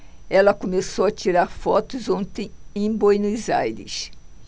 ela começou a tirar fotos ontem em buenos aires